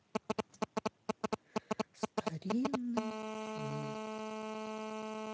старинный фильм